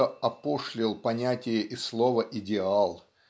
что опошлил понятие и слово идеал